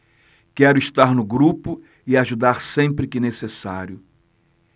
quero estar no grupo e ajudar sempre que necessário